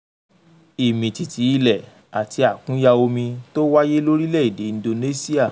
Ìmìtìtì ilẹ̀ àti àkúnya omi tó wáyé lórílẹ̀-èdè Indonesia